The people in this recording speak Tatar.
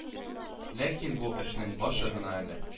Ләкин бу эшнең башы гына әле